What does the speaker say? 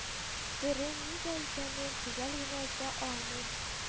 Сере нидә икәнен төгәл генә әйтә алмыйм